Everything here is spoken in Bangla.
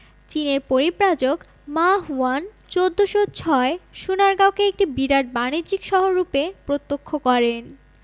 চীনের পরিব্রাজক মা হুয়ান ১৪০৬ সোনারগাঁওকে একটি বিরাট বাণিজ্যিক শহররূপে প্রত্যক্ষ করেন